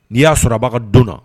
N'i y'a sɔrɔ abaga ka don na